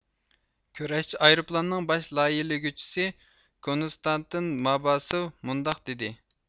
كۆرەشچى ئايرۇپىلاننىڭ باش لايىھىلىگۈچىسى كونستانتىن ماباسېۋ مۇنداق دېدى